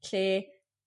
lle